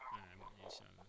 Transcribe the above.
macha allah